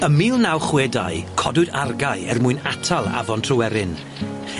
Ym mil naw chwe dau codwyd argae er mwyn atal Afon Tryweryn.